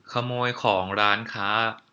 ขโมยของร้านค้า